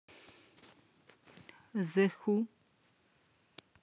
зе ху